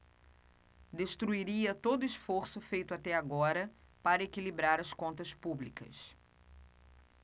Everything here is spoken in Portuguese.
destruiria todo esforço feito até agora para equilibrar as contas públicas